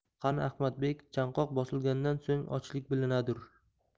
qani ahmadbek chan qoq bosilgandan so'ng ochlik bilinadir